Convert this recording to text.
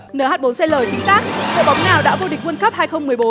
nờ hắt bốn xê lờ chính xác đội bóng nào đã vô địch guôn cấp hai không mười bốn